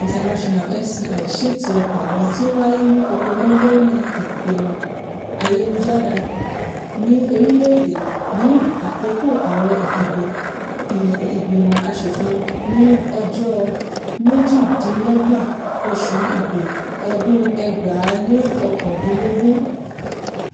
International (CFI) ṣètò èyí tí ó wáyé ní Cotonou, lórí ìpaná ayélujára ní orílè-èdè ní àkókò àwọn ìdìbò ilé ìgbìmọ̀ aṣofin ní ọjọ́ 28 oṣù Igbe, ọdún 2019.